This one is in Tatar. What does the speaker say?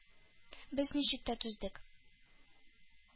Без ничек тә түздек.